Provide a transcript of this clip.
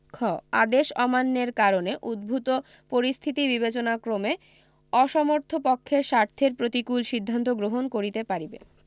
খ আদেশ অমান্যের কারণে উদ্ভুত পরিস্থিতি বিবেচনাক্রমে অসমর্থ পক্ষের স্বার্থের প্রতিকুল সিদ্ধান্ত গ্রহণ করিতে পারিবে